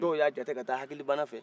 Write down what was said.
dɔw y'a jate ka taa hakilibana fɛ